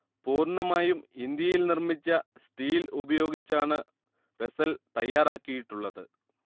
പൂർണ്ണമായും ഇന്ത്യയിൽ നിർമ്മിച്ച സ്റ്റീൽ ഉപയോഗിച്ചാണ് വെസൽ തയ്യാറാക്കിയിട്ടുള്ളത്